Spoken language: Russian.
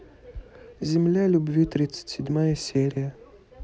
земля любви тридцать седьмая серия